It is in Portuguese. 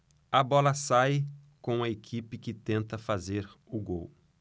a bola sai com a equipe que tenta fazer o gol